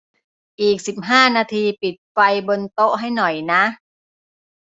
อีกสิบห้านาทีปิดไฟบนโต๊ะให้หน่อยนะ